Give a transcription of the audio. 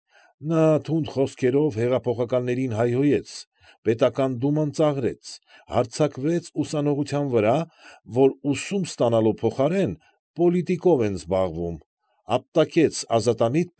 Նա թունդ խոսքերով հեղափոխականներին հայհոյեց, պետական դուման ծաղրեց, հարձակվեց ուսանողությոան վրա, որ ուսում ստանալու փոխարեն պոլիտիկով են զբաղվում, ապտակեց ազատամիտ։